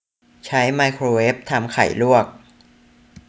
ใช้ไมโครเวฟทำไข่ลวก